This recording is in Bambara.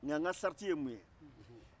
nka ka sarati ye mun ye